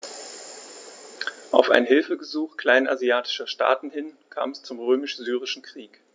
Auf ein Hilfegesuch kleinasiatischer Staaten hin kam es zum Römisch-Syrischen Krieg.